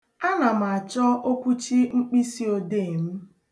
A nam achọ okwuchi mkpịsịodee m.